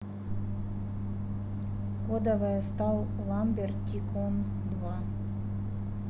кодовое стал ламбер ticon два